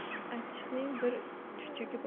bir achchiqning bir chuchugi bor